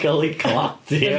'Di cael ei cladio...